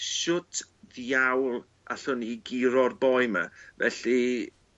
shwt diawl allwn ni guro'r boi 'ma. Felly